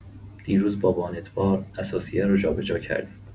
دیروز با وانت‌بار اثاثیه رو جابه‌جا کردیم.